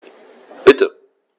Bitte.